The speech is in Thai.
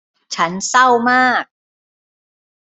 ฉันเศร้ามาก